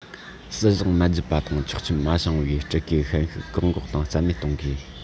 སྲིད གཞུང མ བརྒྱུད པ དང ཆོག མཆན མ བྱུང བའི སྤྲུལ སྐུའི ཤན ཤུགས བཀག འགོག དང རྩ མེད གཏོང དགོས